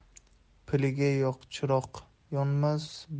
piligi yo'q chiroq yonmas